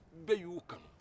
bɛɛ y'u kanu